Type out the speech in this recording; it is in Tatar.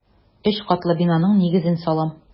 Өч катлы бинаның нигезен салам.